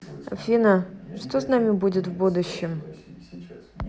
афина что с нами будет в будущем